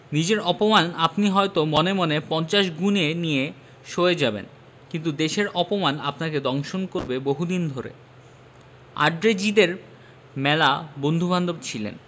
নিজের অপমান আপনি হয়ত মনে মনে পঞ্চাশ গুণে নিয়ে সয়ে যাবেন কিন্তু দেশের অপমান আপনাকে দংশন করবে বহুদিন ধরে আঁদ্রে জিদে র মেলা বন্ধুবান্ধব ছিলেন